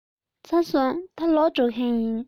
ཚར སོང ད ལོག འགྲོ མཁན ཡིན